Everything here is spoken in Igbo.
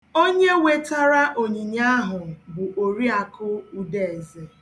Onye wetara onyinye ahụ bụ Oriakụ Udeze.